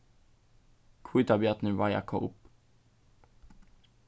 hvítabjarnir veiða kóp